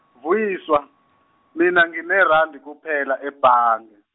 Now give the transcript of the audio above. Vuyiswa mina ngine Randi kuphela ebhangi.